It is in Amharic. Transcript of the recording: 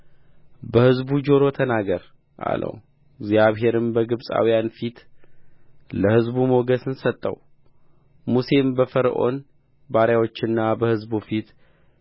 በሕዝቡ ጆሮ ተናገር አለው እግዚአብሔርም በግብፃውያን ፊት ለሕዝቡ ሞገስን ሰጠው ሙሴም በፈርዖን ባሪያዎችና በሕዝቡ ፊት